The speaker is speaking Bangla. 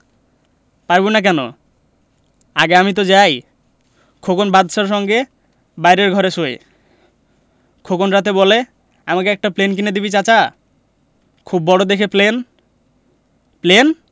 পারব না কেন আগে আমি যাই তো খোকন বাদশার সঙ্গে বাইরের ঘরে শোয় খোকন রাতে বলে আমাকে একটা প্লেন কিনে দিবে চাচা খুব বড় দেখে প্লেন প্লেন